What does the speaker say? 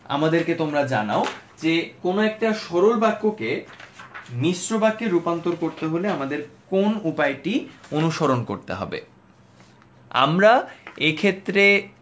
আমাদেরকে তোমরা জানাও যে কোন একটা সরল বাক্য কে মিশ্র বাক্যে রূপান্তর করতে হলে আমাদের কোন উপায়টি অনুসরণ করতে হবে আমরা এই ক্ষেত্রে